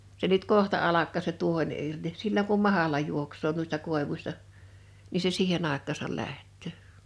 se nyt kohta alkaa se tuohen irti silloin kun mahla juoksee noista koivuista niin se siihen aikaansa lähtee